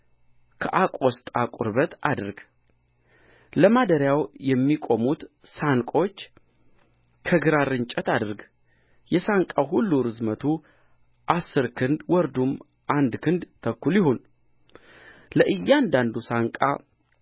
ከአቆስጣ ቁርበት አድርግ ለማደሪያውም የሚቆሙትን ሳንቆች ከግራር እንጨት አድርግ የሳንቃው ሁሉ ርዝመቱ አሥር ክንድ ወርዱም አንድ ክንድ ተኩል ይሁን ለእያንዳንዱም ሳንቃ